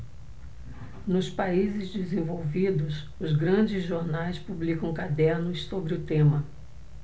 nos países desenvolvidos os grandes jornais publicam cadernos sobre o tema